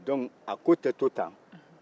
dɔnki a ko tɛ to tan